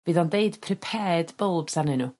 Bydd o'n deud prepared bulbs arnyn n'w.